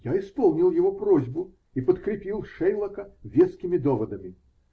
Я исполнил его просьбу и подкрепил "Шейлока" вескими доводами.